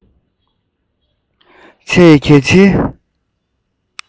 ཆེས གལ ཆེའི